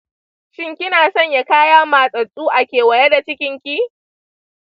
shin kina sanya kaya matsatstsu a kewaye da cikinki?